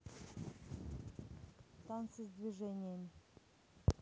танцы с движениями